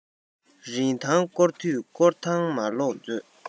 རིན ཐང སྐོར དུས སྐོར ཐང མ ལོག མཛོད